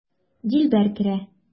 Дилбәр керә.